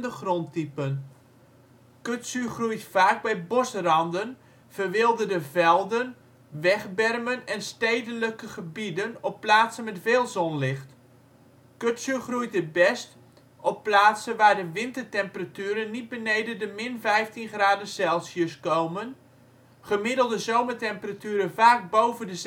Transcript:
grondtypen. Kudzu groeit vaak bij bosranden, verwilderde velden, wegbermen en stedelijke gebieden op plaatsen met veel zonlicht. Kudzu groeit het best op plaatsen waar de wintertemperaturen niet beneden de – 15 °C komen, gemiddelde zomertemperaturen vaak boven